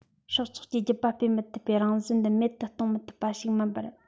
སྲོག ཆགས ཀྱི རྒྱུད པ སྤེལ མི ཐུབ པའི རང བཞིན འདི མེད དུ གཏོང མི ཐུབ པ ཞིག མིན པར